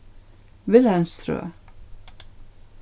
vilhelmstrøð